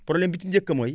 problème bi ci njëkk mooy